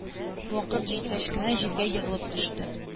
Вакыт җиткәч кенә җиргә егылып төште.